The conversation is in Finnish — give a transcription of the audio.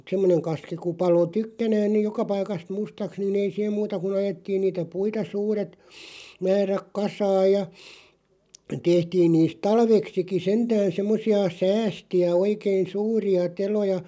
että semmoinen kaski kun paloi tykkänään niin joka paikasta mustaksi niin ei siihen muuta kuin ajettiin niitä puita suuret määrät kasaan ja tehtiin niistä talveksikin sentään semmoisia säästejä oikein suuria teloja